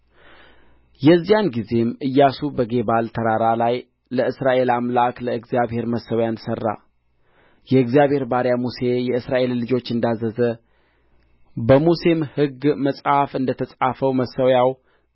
የዚያን ጊዜም ኢያሱ በጌባል ተራራ ላይ ለእስራኤል አምላክ ለእግዚአብሔር መሠዊያን ሠራ የእግዚአብሔር ባሪያ ሙሴ የእስራኤልን ልጆች እንዳዘዘ በሙሴም ሕግ መጽሐፍ እንደ ተጻፈው